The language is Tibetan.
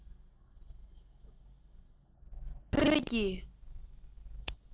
བྱེ བྲག བོད ཀྱི